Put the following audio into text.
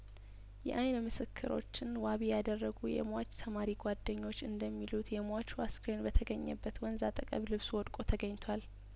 የአይን ምክስሮችን ዋቢ ያደረጉት የሟቹ ተማሪ ጓደኞች እንደሚሉት የሟቹ አስክሬን በተገኘበት ወንዝ አጠገብ ልብሱ ወድቆ ተገኝቷል